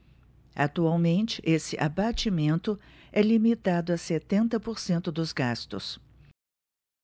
atualmente esse abatimento é limitado a setenta por cento dos gastos